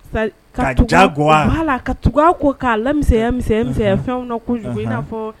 Sad ka tugun ka jaguwaa voilà ka tug'a kɔ k'a lamisɛya misɛya unhun misɛya fɛnw na kojugu unhun in'a fɔɔ